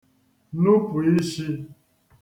nupụ̀ ishī